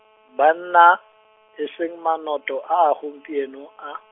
banna, e seng manoto a a gompieno a.